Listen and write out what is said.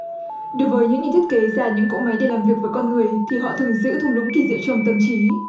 đối với những nhà thiết kế ra những cỗ máy để làm việc với con người thì họ thường giữ thung lũng kỳ diệu trong tâm trí